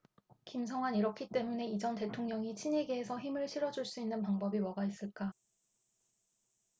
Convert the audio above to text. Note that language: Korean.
김성완 이렇기 때문에 이 전 대통령이 친이계에게 힘을 실어줄 수 있는 방법이 뭐가 있을까